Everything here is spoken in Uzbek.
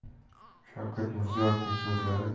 shavkat mirziyoyevning so'zlari